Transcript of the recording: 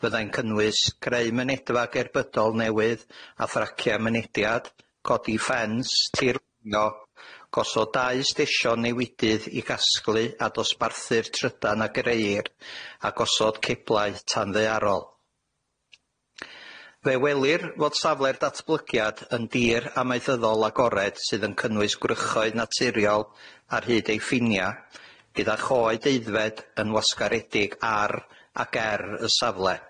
fyddai'n cynnwys greu mynedfa gerbydol newydd a thracia mynediad, codi ffens, tir lunio, gosod dau stesion newydydd i gasglu a dosbarthu'r trydan ag greir, a gosod ceblau tanddearol. Fe welir fod safle'r datblygiad yn dir amaethyddol agored sydd yn cynnwys gwrychoedd naturiol ar hyd ei ffinia, gyda'ch oed aeddfed yn wasgaredig ar ag er y safle.